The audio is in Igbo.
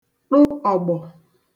ṭụ ọ̀gbọ̀